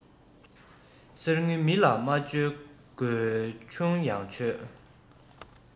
གསེར དངུལ མི ལ བཅོལ དགོས བྱུང ཡང ཆོལ